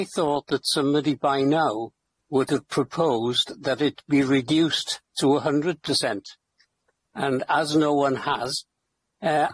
I thought that somebody by now would have proposed that it be reduced to a hundred percent, and as no one has,